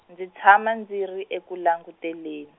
ndzi tshama ndzi ri eku langutelen-.